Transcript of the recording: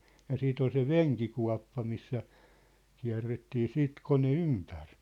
ja sitten oli se venkikuoppa missä kierrettiin sitten kone ympäri